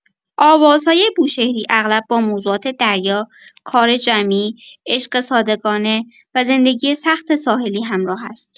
آوازهای بوشهری اغلب با موضوعات دریا، کار جمعی، عشق صادقانه و زندگی سخت ساحلی همراه است.